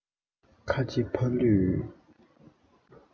ཁ ཆེ ཕ ལུས